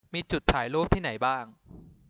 มีจุดถ่ายรูปที่ไหนบ้าง